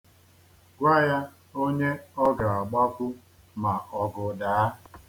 Gwa ya onye ọ ga-agbakwu ma ọgụ daa.